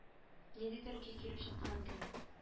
Ниндидер көй килеп чыккан кебек